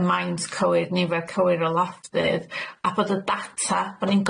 y maint cywir nifer cywir o loftydd a bod y data bo' ni'n